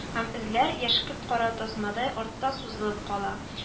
Һәм эзләр, яшькелт-кара тасмадай, артта сузылып кала